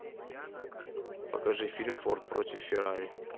покажи фильм форд против феррари